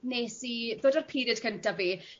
Nes i ddod ar period cynta fi